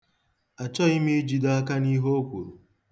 Achoghi m ijido aka n'ihe o kwuru.